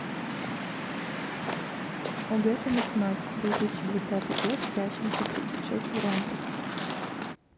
огэ по математике две тысячи двадцатый год ященко тридцать шесть вариантов